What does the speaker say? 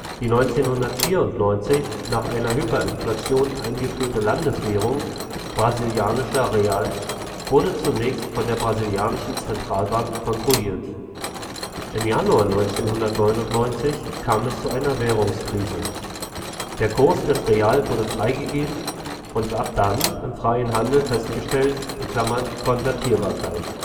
Die 1994 nach einer Hyperinflation eingeführte Landeswährung Brasilianischer Real wurde zunächst von der brasilianischen Zentralbank kontrolliert. Im Januar 1999 kam es zu einer Währungskrise; der Kurs des Real wurde freigegeben und ab dann im freien Handel festgestellt (Konvertierbarkeit